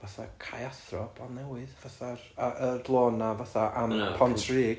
fatha Caeathro Bontnewydd fatha'r... a yr lôn 'na fatha am Pont-rug